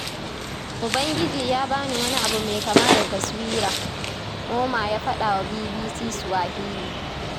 Ubangiji ya ba ni wani abu mai kama da taswira, Ouma ya faɗawa BBC Swahili.